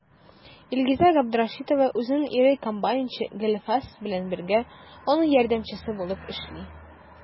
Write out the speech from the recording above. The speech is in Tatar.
Илгизә Габдрәшитова үзенең ире комбайнчы Гыйльфас белән бергә, аның ярдәмчесе булып эшли.